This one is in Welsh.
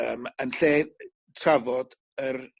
yym yn lle trafod yr